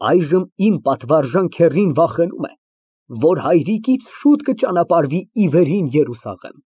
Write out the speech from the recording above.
Այժմ նա իմ պատվարժան քեռին վախենում է, որ հայրիկից շուտ կճանապարհվի ի վերին Երուսաղեմ։